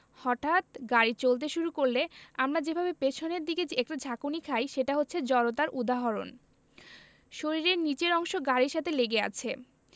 হঠাৎ গাড়ি চলতে শুরু করলে আমরা যেভাবে পেছনের দিকে একটা ঝাঁকুনি খাই সেটা হচ্ছে জড়তার উদাহরণ শরীরের নিচের অংশ গাড়ির সাথে লেগে আছে